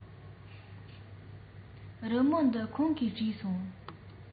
རི མོ འདི ཁོང གིས བྲིས སོང